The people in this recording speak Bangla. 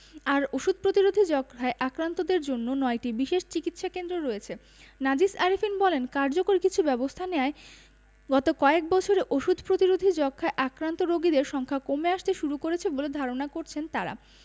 আর ওষুধ প্রতিরোধী যক্ষ্মায় আক্রান্তদের জন্য ৯টি বিশেষ চিকিৎসাকেন্দ্র রয়েছে নাজিস আরেফিন বলেন কার্যকর কিছু ব্যবস্থা নেয়ায় গত কয়েক বছরে ওষুধ প্রতিরোধী যক্ষ্মায় আক্রান্ত রোগীর সংখ্যা কমে আসতে শুরু করেছে বলে ধারণা করছেন তারা